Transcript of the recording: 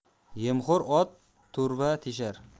yemxo'r ot to'rva teshar